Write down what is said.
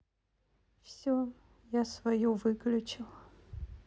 все я свою выключил